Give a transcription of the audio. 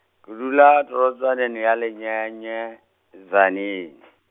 ke dula torotswaneng ya Lenyane, Tzaneen.